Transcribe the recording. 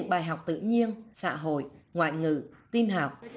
bài học tự nhiên xã hội ngoại ngữ tin học